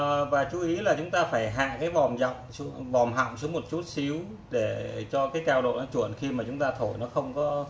chú ý là chúng ta phải hạ cái vòm họng xuống một chút xíu để cho cao độ nó chuẩn